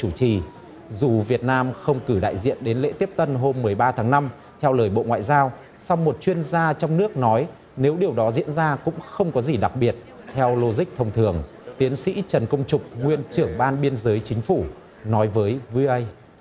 chủ trì dù việt nam không cử đại diện đến lễ tiếp tân hôm mười ba tháng năm theo lời bộ ngoại giao song một chuyên gia trong nước nói nếu điều đó diễn ra cũng không có gì đặc biệt theo lô rích thông thường tiến sĩ trần công trục nguyên trưởng ban biên giới chính phủ nói với vi ô ây